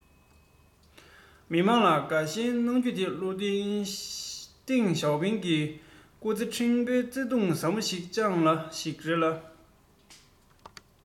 མི དམངས ལ དགའ ཞེན གནང རྒྱུ དེ བློ མཐུན ཏེང ཞའོ ཕིང སྐུ ཚེ ཧྲིལ པོའི བརྩེ དུང ཟབ མོ བཅངས ས ཞིག རེད ལ